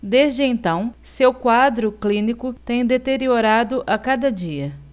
desde então seu quadro clínico tem deteriorado a cada dia